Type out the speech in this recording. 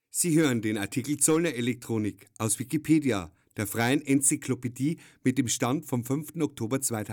Sie hören den Artikel Zollner Elektronik, aus Wikipedia, der freien Enzyklopädie. Mit dem Stand vom Der